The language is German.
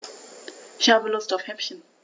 Ich habe Lust auf Häppchen.